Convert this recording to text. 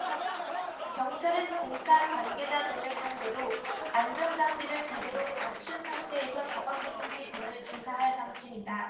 경찰은 공사 관계자 등을 상대로 안전장비를 제대로 갖춘 상태에서 작업했는지 등을 조사할 방침이다